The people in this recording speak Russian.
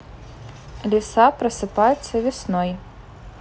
лиса просыпается весной